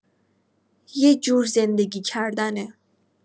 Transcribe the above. یه جور زندگی کردنه.